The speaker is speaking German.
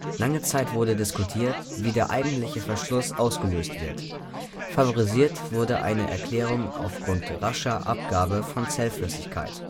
Lange Zeit wurde diskutiert, wie der eigentliche Verschluss ausgelöst wird. Favorisiert wurde eine Erklärung aufgrund rascher Abgabe von Zellflüssigkeit